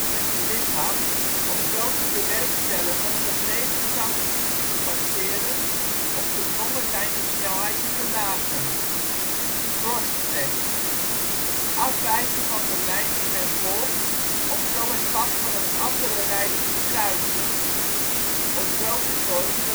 om zo te bewerkstelligen dat tegenstanders niet kunnen passeren of gedwongen zijn hun snelheid te verlagen. Crosstrack: afwijken van de lijn die men volgt om zo het pad van een andere rijder te kruisen om zo te zorgen